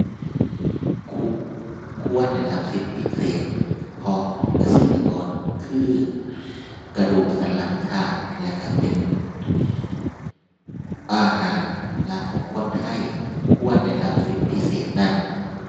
คุ ควรได้รับสิทธิ์พิเศษ เพราะเกษตรกร คือ กระดูกสันหลังชาติ แล้วก็เป็นอาหารหลักของคนไทย ควรได้รับสิทธิ์พิเศษนั้น